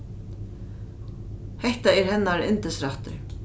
hetta er hennara yndisrættur